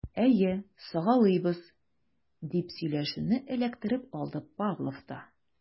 Әйе, сагалыйбыз, - дип сөйләшүне эләктереп алды Павлов та.